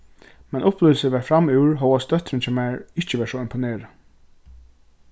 men upplivilsið var framúr hóast dóttirin hjá mær ikki var so imponerað